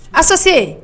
A se